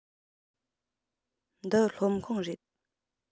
འདི སློབ ཁང རེད